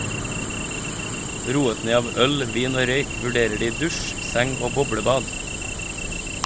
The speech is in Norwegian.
Roet ned av øl, vin og røyk vurderer de dusj, seng og boblebad.